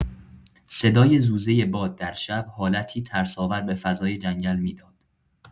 صدای زوزه باد در شب، حالتی ترس‌آور به فضای جنگل می‌داد.